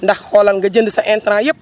ndax xoolal nga jënd sa intrant yëpp